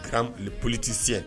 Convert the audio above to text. Politisi